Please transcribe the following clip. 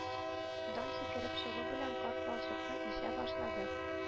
Дан сикереп чыгу белән, карт балчыкны ишә башлады